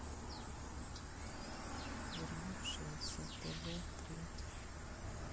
вернувшиеся тв три